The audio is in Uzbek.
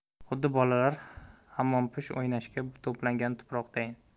xuddi bolalar hammompish o'ynashga to'plagan tuproqdayin